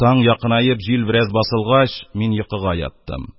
Таң якынаеп, җил бераз басылгач, мин йокыга яттым.